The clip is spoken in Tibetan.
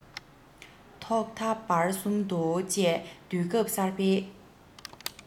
ཐོག མཐའ བར གསུམ དུ བཅས དུས སྐབས གསར པའི